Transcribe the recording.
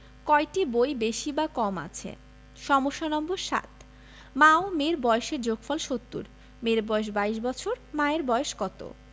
কয়টি বই বেশি বা কম আছে ৭ মা ও মেয়ের বয়সের যোগফল ৭০ মেয়ের বয়স ২২ বছর মায়ের বয়স কত